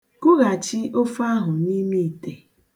Kughachi ofe ahụ n'ime ite.